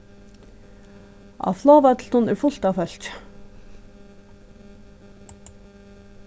á flogvøllinum er fult av fólki